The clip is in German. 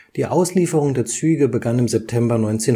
Die Auslieferung der Züge begann im September 1967